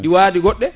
ɗi wadi goɗɗe